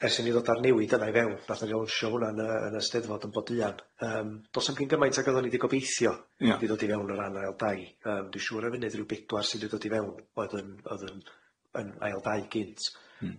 ers inni ddod a'r newid yna i fewn nathon ni lansio hwnna'n yy yn y Steddfod yn Boduan yym do's na'm gin gymaint ag oddon ni 'di gobeithio... Ia... 'di dod i fewn o ran ail dai yym dwi siŵr ar y funud ryw bedwar sy 'di dod i fewn o'dd yn o'dd yn yn ail dai gynt,